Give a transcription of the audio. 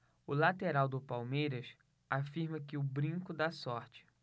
o lateral do palmeiras afirma que o brinco dá sorte